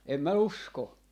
en minä usko